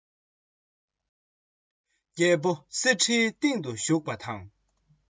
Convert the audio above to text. རྒྱལ པོ གསེར ཁྲིའི སྟེང དུ བཞུགས པ དང